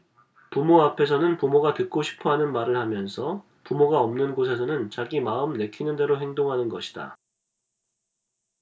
부모 앞에서는 부모가 듣고 싶어 하는 말을 하면서 부모가 없는 곳에서는 자기 마음 내키는 대로 행동하는 것이다